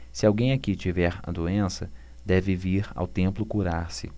se alguém aqui tiver a doença deve vir ao templo curar-se